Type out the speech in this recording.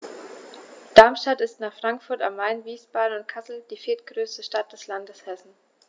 Darmstadt ist nach Frankfurt am Main, Wiesbaden und Kassel die viertgrößte Stadt des Landes Hessen